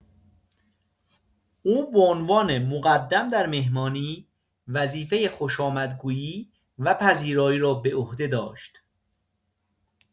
او به عنوان مقدم در مهمانی، وظیفۀ خوشامدگویی و پذیرایی را بر عهده داشت.